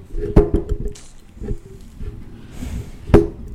Sanunɛ wa